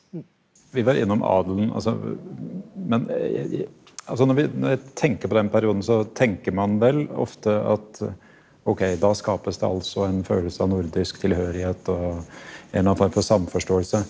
vi var innom adelen altså men altså når vi når jeg tenker på den perioden så tenker man vel ofte at ok da skapes det altså en følelse av nordisk tilhørighet og en eller annen form for samforståelse.